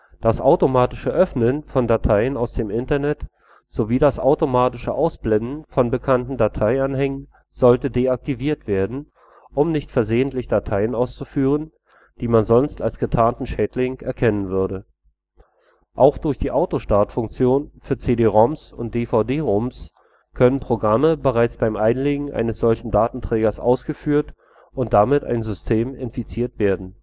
Das automatische Öffnen von Dateien aus dem Internet sowie das automatische Ausblenden von bekannten Dateianhängen sollte deaktiviert werden, um nicht versehentlich Dateien auszuführen, die man sonst als getarnten Schädling erkennen würde. Auch durch die Autostartfunktion für CD-ROMs und DVD-ROMs können Programme bereits beim Einlegen eines solchen Datenträgers ausgeführt und damit ein System infiziert werden